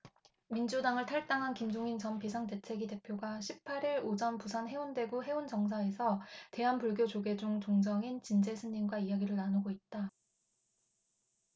민주당을 탈당한 김종인 전 비상대책위 대표가 십 팔 일 오전 부산 해운대구 해운정사에서 대한불교조계종 종정인 진제 스님과 이야기를 나누고 있다